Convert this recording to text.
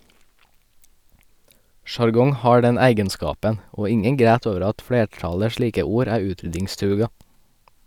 Sjargong har den eigenskapen, og ingen græt over at flertallet slike ord er utryddingstruga.